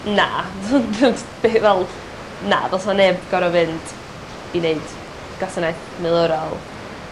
Na be' fel... Na dylsa neb gor'o' fynd i neud gwasanaeth milwrol